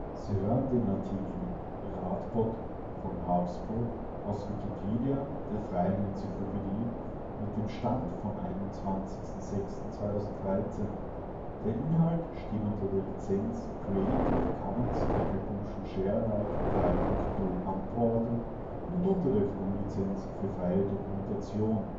Sie hören den Artikel Radbot (Habsburg), aus Wikipedia, der freien Enzyklopädie. Mit dem Stand vom Der Inhalt steht unter der Lizenz Creative Commons Attribution Share Alike 3 Punkt 0 Unported und unter der GNU Lizenz für freie Dokumentation